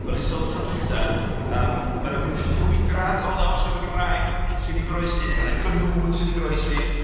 O'n i'n sôn tro dwytha, am... mae 'na rhyw ffrwydrad o lawysgrifau Cymraeg sy 'di goroesi neu mae 'na gnwd sy 'di goroesi.